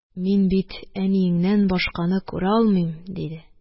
Мин бит әниеңнән башканы күрә алмыйм, – диде